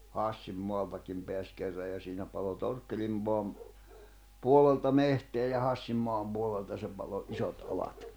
Hassin maallakin pääsi kerran ja siinä paloi Torkkelin maan puolelta metsää ja Hassin maan puolelta se paloi isot alat